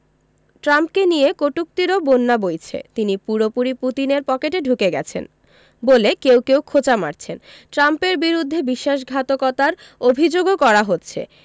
ট্রাম্পকে নিয়ে কটূক্তিরও বন্যা বইছে তিনি পুরোপুরি পুতিনের পকেটে ঢুকে গেছেন বলে কেউ কেউ খোঁচা মারছেন ট্রাম্পের বিরুদ্ধে বিশ্বাসঘাতকতার অভিযোগও করা হচ্ছে